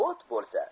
o't bo'lsa